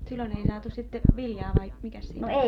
silloin ei saatu sitten viljaa vai mikäs siinä